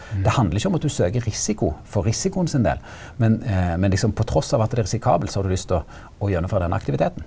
det handlar ikkje om at du søker risiko for risikoen sin del men men liksom på tross av at det er risikabelt så har du lyst til å å gjennomføra denne aktiviteteten.